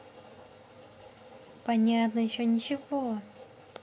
понятно еще ничего